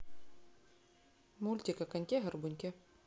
мультик о коньке горбунке